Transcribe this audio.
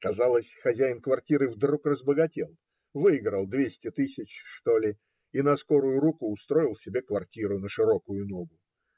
Казалось, хозяин квартиры вдруг разбогател, выиграл двести тысяч, что ли, и на скорую руку устроил себе квартиру на широкую ногу.